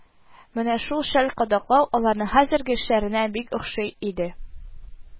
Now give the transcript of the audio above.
Менә шул шәл кадаклау аларның хәзерге эшләренә бик охшый иде